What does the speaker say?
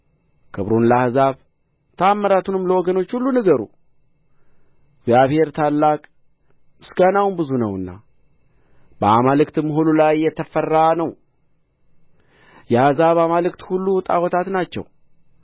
ክብሩን ለአሕዛብ ተአምራቱንም ለወገኖች ሁሉ ንገሩ እግዚአብሔር ታላቅ ምስጋናውም ብዙ ነውና በአማልክትም ሁሉ ላይ የተፈራ ነው የአሕዛብ አማልክት ሁሉ ጣዖታት ናቸው